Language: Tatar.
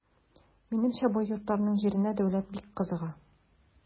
Минемчә бу йортларның җиренә дәүләт бик кызыга.